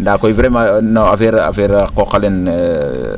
nda koy vraiment no affaire a qooq alen o